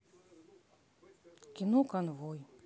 кино конвой